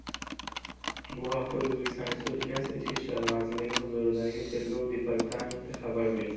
bu haqda o'zbekiston respublikasi ichki ishlar vazirligi huzuridagi tergov departamenti xabar berdi